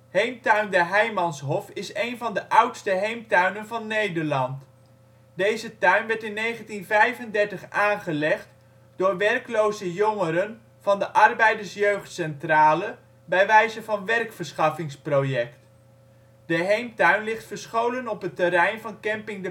Heemtuin De Heimanshof is een van de oudste heemtuinen van Nederland. Deze tuin werd in 1935 aangelegd door werkloze jongeren van de Arbeiders Jeugd Centrale, bij wijze van werkverschaffingsproject. De heemtuin ligt verscholen op het terrein van camping De